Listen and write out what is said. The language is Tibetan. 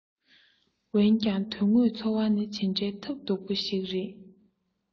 འོན ཀྱང དོན དངོས འཚོ བ ནི ཇི འདྲའི ཐབས སྡུག པ ཞིག རེད